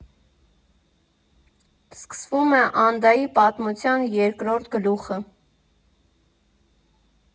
Սկսվում է Անդայի պատմության երկրորդ գլուխը.